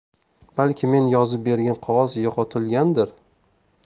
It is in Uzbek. balki men yozib bergan qog'oz yo'qotilgandir